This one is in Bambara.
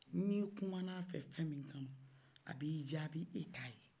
n'i kumana a fɛ fɛn min kama a b'i jaabi i t'a ye